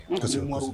Kasi que